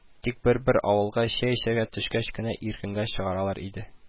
Тик бер-бер авылга чәй эчәргә төшкәч кенә иркенгә чыгаралар иде